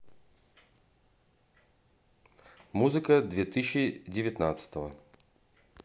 музыка две тысячи девятнадцатого